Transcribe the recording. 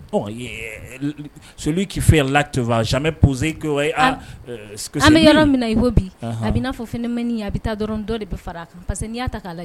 So k'i fɛ lato zme boze i'o bi a bɛ n'a fɔ f ne ye a bɛ taa dɔrɔn dɔ de bɛ fara parce n'' ta k'a